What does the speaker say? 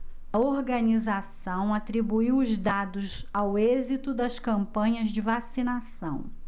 a organização atribuiu os dados ao êxito das campanhas de vacinação